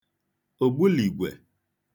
ògbulìgwè